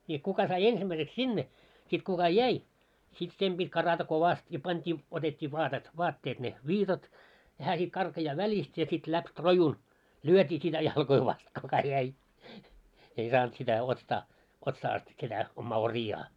niin kuka sai ensimmäiseksi sinne sitten kuka jäi sitten sen piti karata kovasti ja pantiin otettiin vaatetta vaatteet ne viitat ja hän sitten karkaa välistä ja sitten läpi rojun lyötiin sitä jalkoja vasten kuka jäi ei saanut sitä ostaa otsaa asti sitä omaa oriaan